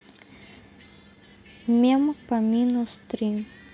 мем по минус три